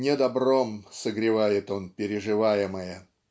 не добром согревает он переживаемое.